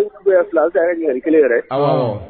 taara kelen